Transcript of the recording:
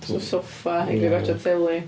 Oes 'na soffa i gael gwatsiad teli.